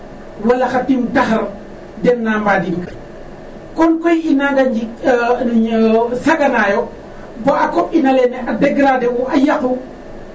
wala xa tim taxar o ten na mbadinkang kon koy .I nanga saganaayo bo a koƥ in alene a dégrader u a yaqu